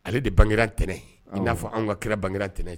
Ale de bangera ntɛnɛn; awɔ i n'a fɔ an ka kira bangera ntɛnɛn